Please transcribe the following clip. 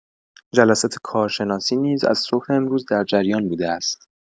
جلسات کارشناسی نیز از صبح امروز در جریان بوده است.